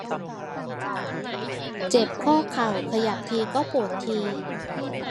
เจ็บข้อเข่าขยับทีก็ปวดที